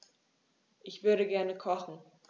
Ich würde gerne kochen.